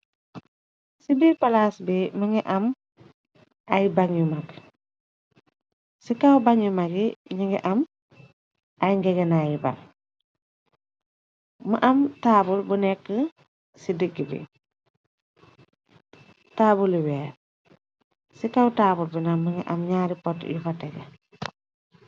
Ci biir palaas bi më ngi am ay bañ yu mag ci kaw bañyu magi ñu ngi am ay ngegena yu ban. Mu am taabul bu nekk ci digg bi taabuli weer. Ci kaw taabul bina më ngi am ñaari pot yu fa tega.